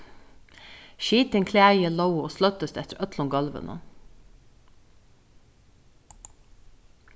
skitin klæði lógu og sløddust eftir øllum gólvinum